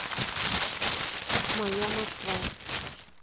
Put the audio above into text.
моя москва